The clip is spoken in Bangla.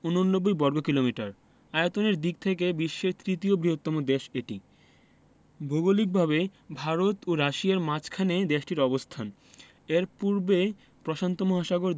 ৮৯ বর্গকিলোমিটার আয়তনের দিক থেকে বিশ্বের তৃতীয় বৃহত্তম দেশ এটি ভৌগলিকভাবে ভারত ও রাশিয়ার মাঝখানে দেশটির অবস্থান এর পূর্বে প্রশান্ত মহাসাগর